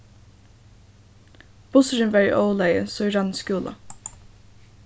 bussurin var í ólagi so eg rann í skúla